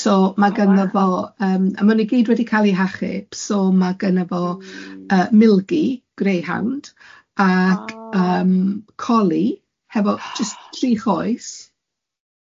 so ma' gynno fo yym a maen nhw i gyd wedi cael eu hachub, so ma' gynno fo yy milgy, greyhound.. Oh. ...ac yym coli hefo jyst tri choes.